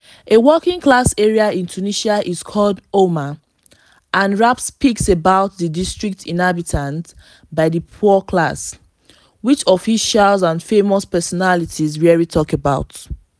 A working class area in Tunisia is called Houma…And rap speaks about these districts inhabited by the poor class, which officials and famous personalities rarely talk about